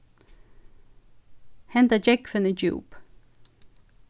henda gjógvin er djúp